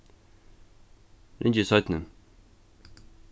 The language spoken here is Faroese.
ringi seinni